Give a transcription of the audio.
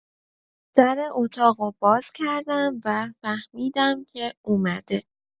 در اتاقو باز کردم و فهمیدم که اومده